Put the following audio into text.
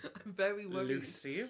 I'm very worried... Lucy